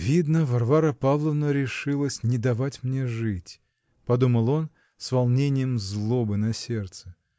"Видно, Варвара Павловна решилась не давать мне жить", -- подумал он с волнением злобы на сердце.